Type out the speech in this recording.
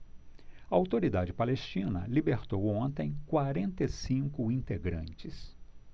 a autoridade palestina libertou ontem quarenta e cinco integrantes